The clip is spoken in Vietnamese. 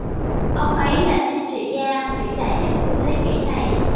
ông ấy là chính trị gia vĩ đại nhất của thế kỷ này